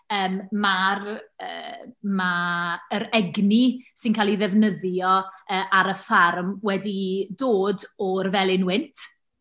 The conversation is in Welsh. Yym mae'r yy... ma' yr egni sy'n cael ei ddefnyddio yy ar y ffarm wedi dod o'r felin wynt.